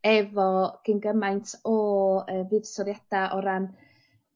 Efo gyn gymaint o yy buddsoddiada o ran